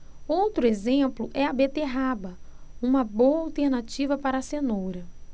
outro exemplo é a beterraba uma boa alternativa para a cenoura